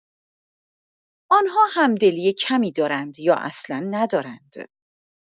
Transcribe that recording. آن‌ها همدلی کمی دارند یا اصلا ندارند.